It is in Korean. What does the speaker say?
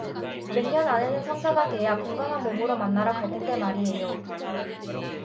몇 년 안에는 성사가 돼야 건강한 몸으로 만나러 갈 텐데 말이에요